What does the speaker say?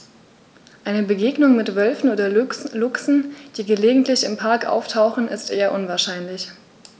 Eine Begegnung mit Wölfen oder Luchsen, die gelegentlich im Park auftauchen, ist eher unwahrscheinlich.